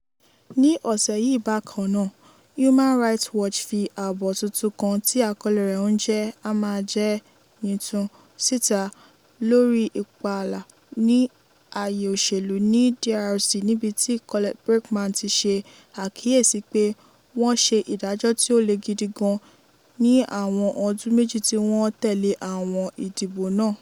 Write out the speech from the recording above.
Ní ọ̀sẹ̀ yìí bákan náà Human Rights Watch fi àbọ̀ tuntun kan tí àkọ́lé rẹ̀ ń jẹ́ "A máa jẹ yín tun" síta, lórí ìpààlà ní àyè òṣèlú ní DRC níbi tí Collete Braeckman ti ṣe àkíyèsí pé "wọ́n ṣe ìdájọ́ tí ó le gidi gan ní àwọn ọdún méjì tí wọ́n tẹ̀lé àwọn ìdìbò náà".